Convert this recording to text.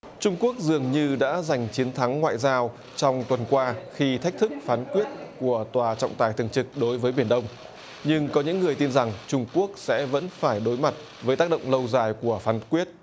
trung quốc dường như đã giành chiến thắng ngoại giao trong tuần qua khi thách thức phán quyết của tòa trọng tài thường trực đối với biển đông nhưng có những người tin rằng trung quốc sẽ vẫn phải đối mặt với tác động lâu dài của phán quyết